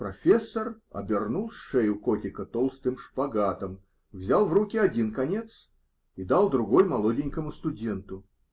"Профессор" обернул шею котика толстым "шпагатом", взял в руки один конец и дал другой молоденькому студенту.